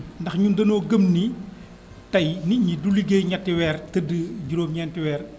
ndax ñun dañoo gëm ni tey nit ñi du liggéey ñetti weer tëdd juróom ñeenti weer